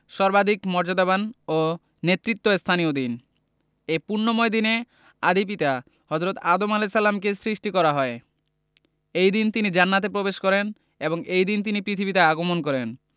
সর্বাধিক মর্যাদাবান ও নেতৃত্বস্থানীয় দিন এ পুণ্যময় দিনে আদি পিতা হজরত আদম আ কে সৃষ্টি করা হয় এদিন তিনি জান্নাতে প্রবেশ করেন এবং এদিন তিনি পৃথিবীতে আগমন করেন